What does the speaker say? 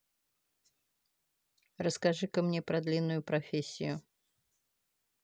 расскажи ка мне про длинную профессию